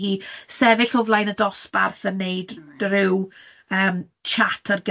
i hi sefyll o flaen y dosbarth yn wneud ryw yym chat ar